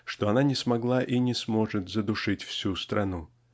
что она не смогла и не сможет задушить всю страну.